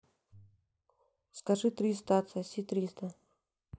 скажи триста отсоси триста